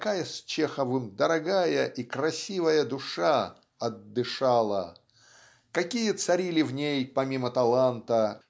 какая с Чеховым дорогая и красивая душа отдышала какие царили в ней помимо таланта